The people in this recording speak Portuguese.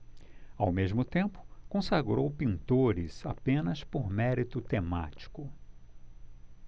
ao mesmo tempo consagrou pintores apenas por mérito temático